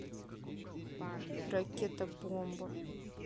ракета бомба